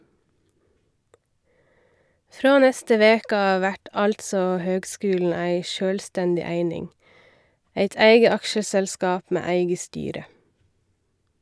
Frå neste veke av vert altså høgskulen ei sjølvstendig eining, eit eige aksjeselskap med eige styre.